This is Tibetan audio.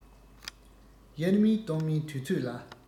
དབྱར མིན སྟོན མིན དུས ཚོད ལ